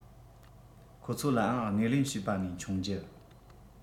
ཁོ ཚོའང ལ སྣེ ལེན ཞུས པ ནས མཆོང རྒྱུ